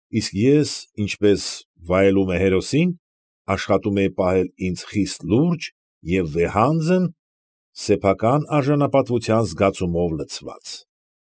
Իսկ ես, ինչպես վայելում է հերոսին, աշխատում էի պահել ինձ խիստ լուրջ և վեհանձն, սեփական արժանավորության զգացմունքով լեցված։